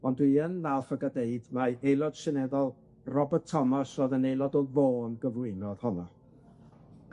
On' dwi yn falch o ga'l deud mai aelod seneddol Robert Thomos o'dd yn aelod o Fôn gyflwynodd honno.